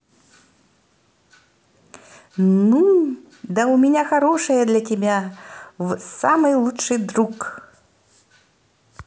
ну да у меня хорошая для тебя в самый лучший друг